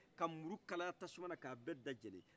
ka muru kalaya tasouma na ka da bɛɛ jeni